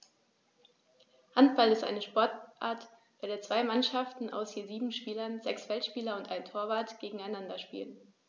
Handball ist eine Sportart, bei der zwei Mannschaften aus je sieben Spielern (sechs Feldspieler und ein Torwart) gegeneinander spielen.